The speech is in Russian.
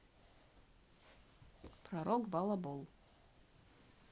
пророк балабол